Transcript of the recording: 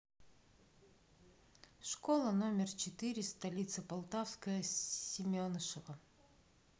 школа номер четыре столица полтавская семенышева